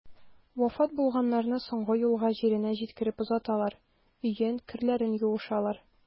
Вафат булганнарны соңгы юлга җиренә җиткереп озаталар, өен, керләрен юышалар.